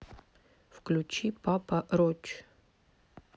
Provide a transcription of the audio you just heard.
включи папа роч